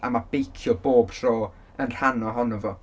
A ma' beicio bob tro yn rhan ohono fo.